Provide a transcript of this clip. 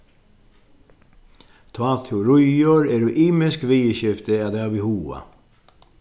tá tú ríður eru ymisk viðurskifti at hava í huga